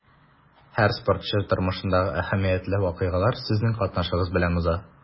Һәр спортчы тормышындагы әһәмиятле вакыйгалар сезнең катнашыгыз белән уза.